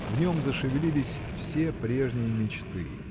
В нем зашевелились все прежние мечты.